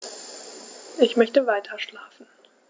Ich möchte weiterschlafen.